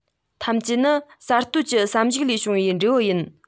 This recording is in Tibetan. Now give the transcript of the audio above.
ཐམས ཅད ནི གསར གཏོད ཀྱི བསམ གཞིགས ལས བྱུང བའི འབྲས བུ ཡིན